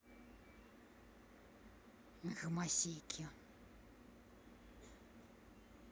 гомосеки